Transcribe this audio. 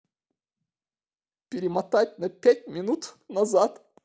перемотать на пять минут назад